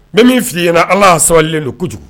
Bɛ min f' i yen ala' sabalilen don kojugu